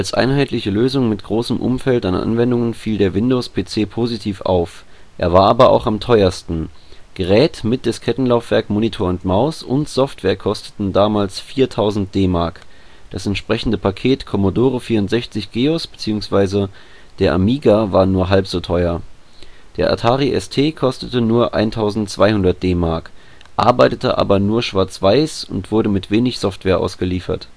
einheitliche Lösung mit großem Umfeld an Anwendungen fiel der Windows-PC positiv auf, er war aber auch am teuersten: Gerät (mit Diskettenlaufwerk, Monitor und Maus) und Software kosteten damals 4000 DM, das entsprechende Paket Commodore 64/GEOS bzw. der Amiga waren nur halb so teuer. Der Atari ST kostete nur 1200 DM, arbeitete aber nur schwarz-weiß und wurde mit wenig Software ausgeliefert